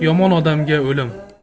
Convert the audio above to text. yomon odamga o'lim